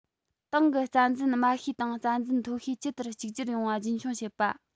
ཏང གི རྩ འཛིན དམའ ཤོས དང རྩ འཛིན མཐོ ཤོས ཇི ལྟར གཅིག གྱུར ཡོང བ རྒྱུན འཁྱོངས བྱེད པ